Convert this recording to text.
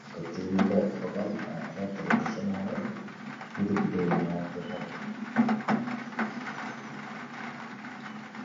Catiinado badan oo qoorta la gashanayo midabkoodana waa dahabi